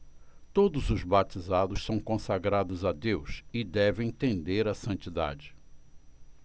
todos os batizados são consagrados a deus e devem tender à santidade